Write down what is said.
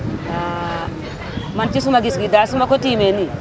man ci suma gis-gis daal su ma ko tiimee nii